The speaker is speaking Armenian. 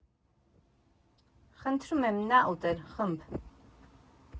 Խնդրում եմ, նա ուտել ֊ խմբ.